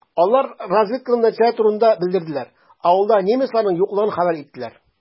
Алар разведканың нәтиҗәләре турында белдерделәр, авылда немецларның юклыгын хәбәр иттеләр.